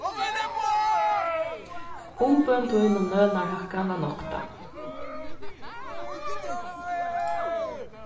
umbøn tín um lønarhækkan varð noktað